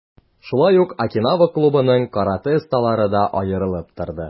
Шулай ук, "Окинава" клубының каратэ осталары да аерылып торды.